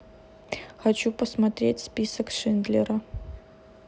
хочу посмотреть список шиндлера